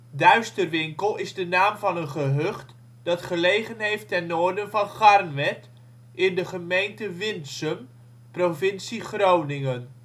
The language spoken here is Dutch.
Duisterwinkel is de naam van een gehucht dat gelegen heeft ten noorden van Garnwerd, in de gemeente Winsum, provincie Groningen